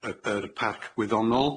y- yr parc gwyddonol.